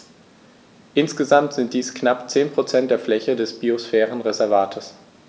Insgesamt sind dies knapp 10 % der Fläche des Biosphärenreservates.